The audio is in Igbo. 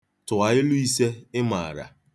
Tụọ ilu ise ị maara.